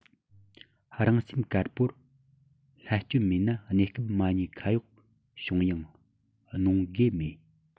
རང སེམས དཀར པོར ལྷད སྐྱོན མེད ན གནས སྐབས མ ཉེས ཁག གཡོགས བྱུང ཡང གནོང དགོས མེད